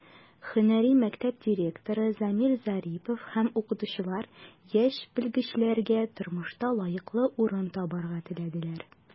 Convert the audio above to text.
Һөнәри мәктәп директоры Замир Зарипов һәм укытучылар яшь белгечләргә тормышта лаеклы урын табарга теләделәр.